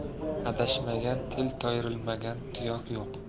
adashmagan til toyrilmagan tuyoq yo'q